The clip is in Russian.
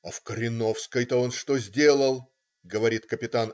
- "А в Кореновской-то он что сделал! - говорит кап.